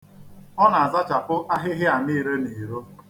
Ọ na-azachapụ ahịhịa niile n'iro.